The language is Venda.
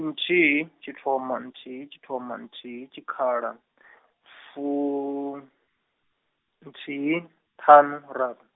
nthihi, tshithoma nthihi tshithoma nthihi tshikhala, fu, nthihi, ṱhanu rat-.